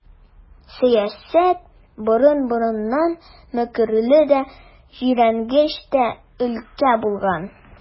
Сәясәт борын-борыннан мәкерле дә, җирәнгеч тә өлкә булган.